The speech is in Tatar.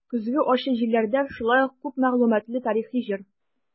"көзге ачы җилләрдә" шулай ук күп мәгълүматлы тарихи җыр.